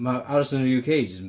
Ma' aros yn yr UK jyst yn...